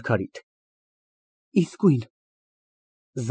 ՄԱՐԳԱՐԻՏ ֊ Իսկույն։